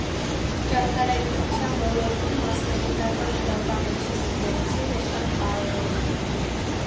Ճարտարագիտության ոլորտում մասնագիտական գրականություն ընթերցելը շատ կարևոր է։